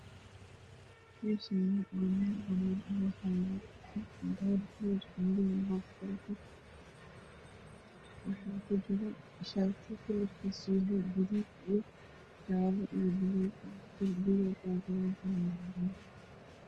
Meshan waa mel banan ah waxa yalo caag cadan ah kalra madow ah hoos kawato waxa kujiro shati kalarkis yahay gaduud io jale io baluug darbiga daqdah kale cadan